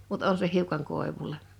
mutta on se hiukan koivulle